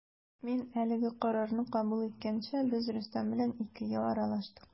Мин әлеге карарны кабул иткәнче без Рөстәм белән ике ел аралаштык.